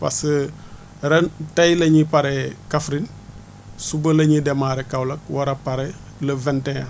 parce que ren tey la ñu pare Kaffrine suba la ñu demarré Kaolack war a pare le 21